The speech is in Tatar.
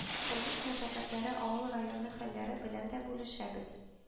Тормыш мәшәкатьләре, авыл, район хәлләре белән дә бүлешәбез